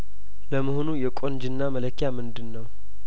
ለመሆኑ የቁንጅና መለኪያ ምንድነው